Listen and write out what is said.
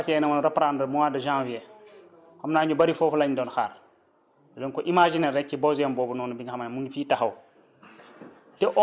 damaa fas yéene woon reprendre mois de janvier xam naa ñu bëri foofu lañ doon xaar donc imaginer rek ci besoin boobu noonu bi nga xam ne mi ngi fii taxaw